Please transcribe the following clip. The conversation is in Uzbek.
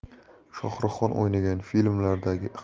shohruxxon o'ynagan filmlardagi